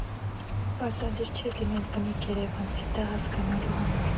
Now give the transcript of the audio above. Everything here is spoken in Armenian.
Պարտադիր չէ լինել բնիկ երևանցի դա հասկանալու համար։